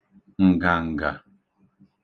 ǹgàǹgà